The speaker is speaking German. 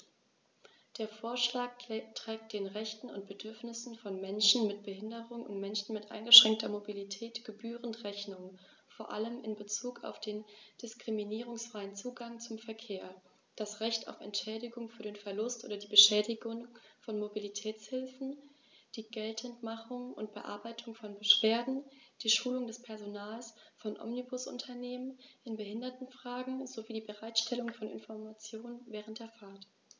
Der Vorschlag trägt den Rechten und Bedürfnissen von Menschen mit Behinderung und Menschen mit eingeschränkter Mobilität gebührend Rechnung, vor allem in Bezug auf den diskriminierungsfreien Zugang zum Verkehr, das Recht auf Entschädigung für den Verlust oder die Beschädigung von Mobilitätshilfen, die Geltendmachung und Bearbeitung von Beschwerden, die Schulung des Personals von Omnibusunternehmen in Behindertenfragen sowie die Bereitstellung von Informationen während der Fahrt.